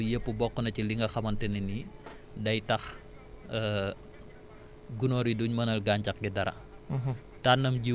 waaw parce que yooyu yëpp bokk na ci li nga xamante ne ni day tax gunóor yi duñ mënal gàncax gi dara